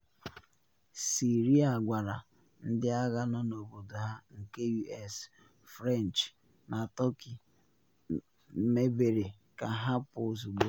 Syria gwara ‘ndị agha nọ n’obodo ha’ nke US, French na Turkey mebere ka ha pụọ ozugbo